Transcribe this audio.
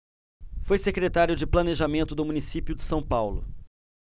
foi secretário de planejamento do município de são paulo